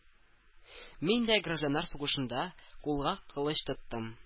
Мин дә гражданнар сугышында кулга кылыч тоттым